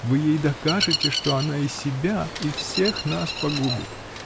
Вы ей докажете, что она и себя и всех нас погубит.